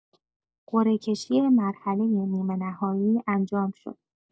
قرعه‌کشی مرحله نیمه‌نهایی انجام شد.